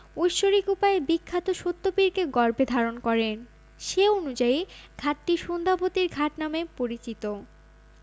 ঐশ্বরিক উপায়ে বিখ্যাত সত্যপীরকে গর্ভে ধারণ করেন সে অনুযায়ী ঘাটটি সন্ধ্যাবতীর ঘাট নামে পরিচিত